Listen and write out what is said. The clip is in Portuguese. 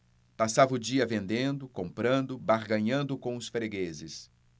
passava o dia vendendo comprando barganhando com os fregueses